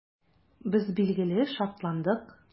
Без, билгеле, шатландык.